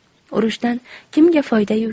urushdan kimga foyda yu